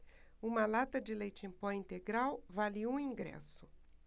uma lata de leite em pó integral vale um ingresso